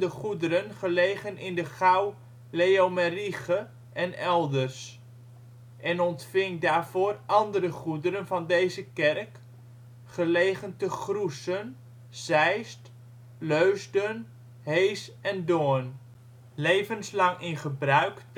goederen gelegen in de gouw Leomeriche en elders, en ontving daarvoor andere goederen van deze kerk, gelegen te Groessen, Zeist, Leusden, Hees en Doorn, levenslang in gebruik